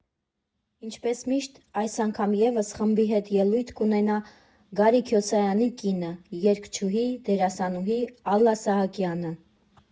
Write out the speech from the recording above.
Ինչպես միշտ, այս անգամ ևս խմբի հետ ելույթ կունենա Գարի Քյոսայանի կինը՝ երգչուհի, դերասանուհի Ալլա Սահակյանը։